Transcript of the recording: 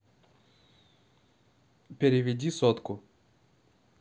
переведи сотку